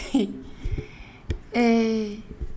Ɛɛ